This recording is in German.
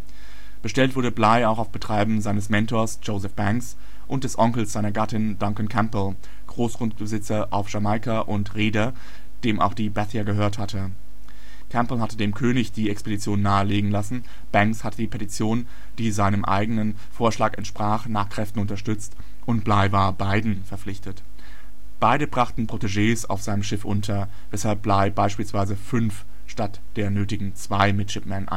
Bligh auch auf Betreiben seines Mentors Joseph Banks und des Onkels seiner Gattin, Duncan Campbell, Großgrundbesitzer auf Jamaika und Reeder (dem auch die Bethia gehört hatte). Campbell hatte dem König die Expedition nahelegen lassen, Banks hatte die Petition, die seinem eigenen Vorschlag entsprach, nach Kräften unterstützt, und Bligh war beiden verpflichtet. Beide brachten Protegés auf seinem Schiff unter, weshalb Bligh beispielsweise fünf statt der nötigen zwei Midshipmen einstellte